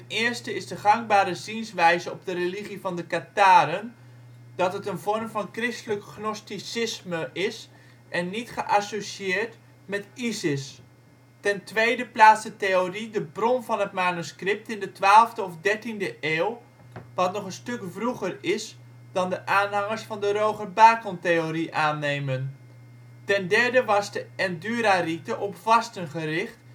eerste is de gangbare zienswijze op de religie van de katharen dat het een vorm van christelijk gnosticisme is en niet geassocieerd met Isis. Ten tweede plaatst de theorie de bron van het manuscript in de twaalfde of dertiende eeuw, wat nog een stuk vroeger is dan de aanhangers van de Roger Bacon-theorie aannemen. Ten derde was de Endura-rite op vasten gericht